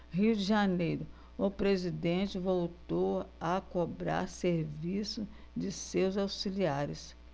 rio de janeiro o presidente voltou a cobrar serviço de seus auxiliares